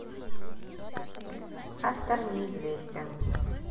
автор неизвестен